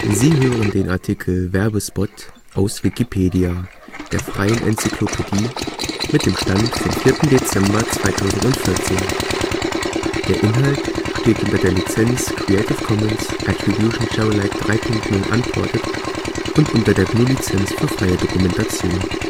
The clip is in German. Sie hören den Artikel Werbespot, aus Wikipedia, der freien Enzyklopädie. Mit dem Stand vom Der Inhalt steht unter der Lizenz Creative Commons Attribution Share Alike 3 Punkt 0 Unported und unter der GNU Lizenz für freie Dokumentation